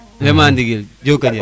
vraiment ndigil jokonjal